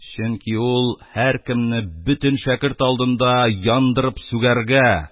Чөнки ул һәркемне бөтен шәкерт алдында яндырып сүгәргә,